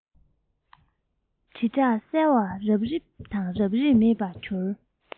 དྲིལ སྒྲ གསལ བ ནས རབ རིབ དང རབ རིབ ནས མེད པར གྱུར